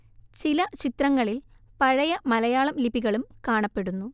ചില ചിത്രങ്ങളിൽ പഴയ മലയാളം ലിപികളും കാണപ്പെടുന്നു